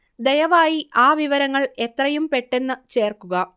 ദയവായി ആ വിവരങ്ങൾ എത്രയും പെട്ടെന്ന് ചേർക്കുക